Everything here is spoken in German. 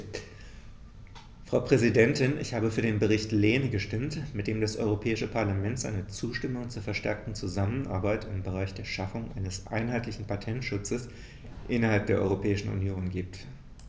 Frau Präsidentin, ich habe für den Bericht Lehne gestimmt, mit dem das Europäische Parlament seine Zustimmung zur verstärkten Zusammenarbeit im Bereich der Schaffung eines einheitlichen Patentschutzes innerhalb der Europäischen Union gibt.